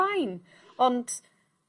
...fine ond